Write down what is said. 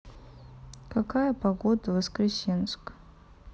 какая погода воскресенск